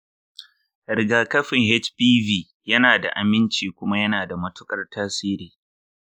rigakafin hpv yana da aminci kuma yana da matuƙar tasiri.